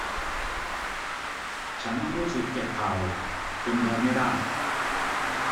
ฉันรู้สึกเจ็บเข่าจนเดินไม่ได้